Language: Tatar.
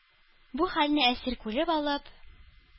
Бу хәлне Әсир күреп алып,